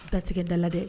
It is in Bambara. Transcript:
Datigɛ n da la dɛ.